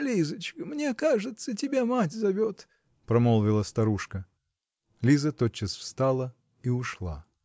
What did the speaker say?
-- Лизочка, мне кажется, тебя мать зовет, -- промолвила старушка. Лиза тотчас встала и ушла.